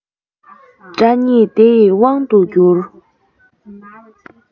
དགྲ ཉིད དེ ཡི དབང དུ འགྱུར